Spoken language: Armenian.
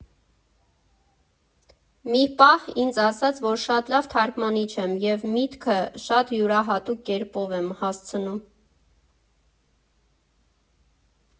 Մի պահ ինձ ասաց, որ շատ լավ թարգմանիչ եմ և միտքը շատ յուրահատուկ կերպով եմ հասցնում։